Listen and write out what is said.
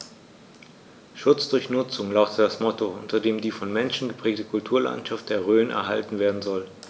„Schutz durch Nutzung“ lautet das Motto, unter dem die vom Menschen geprägte Kulturlandschaft der Rhön erhalten werden soll.